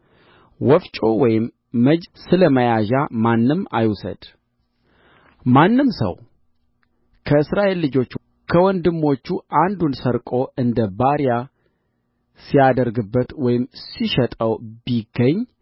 ወፍጮ ወይም መጅ ስለ መያዣ ማንም አይውሰድ ማንም ሰው ከእስራኤል ልጆች ከወንድሞቹ አንዱን ሰርቆ እንደ ባሪያ ሲያደርግበት ወይም ሲሸጠው ቢገኝ